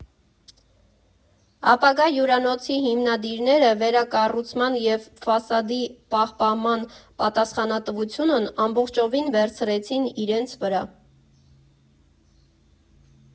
Ապագա հյուրանոցի հիմնադիրները վերակառուցման և ֆասադի պահպանման պատասխանատվությունն ամբողջովին վերցրեցին իրենց վրա։